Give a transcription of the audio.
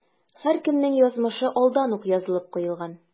Һәркемнең язмышы алдан ук язылып куелган.